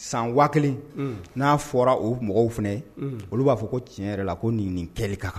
San wa kelen n'a fɔra u mɔgɔw fana olu b'a fɔ ko tiɲɛ yɛrɛ la ko nin nin kɛ ka kan